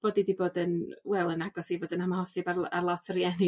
bod 'i 'di bod yn wel yn agos i fod yn amhosib ar l- ar lot rhieni